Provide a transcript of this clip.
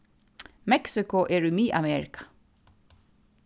meksiko er í miðamerika